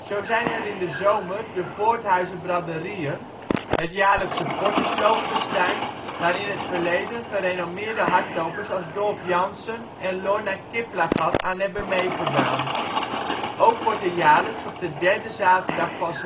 Zo zijn er in de zomer de Voorthuizer Braderieën, het jaarlijkse Fortis Loopfestijn, waarbij in het verleden gerenommeerde hardlopers als Dolf Jansen en Lornah Kiplagat aan hebben meegedaan. Ook wordt er jaarlijks, op de derde zaterdag van